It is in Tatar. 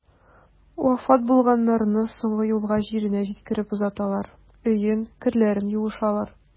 Вафат булганнарны соңгы юлга җиренә җиткереп озаталар, өен, керләрен юышалар.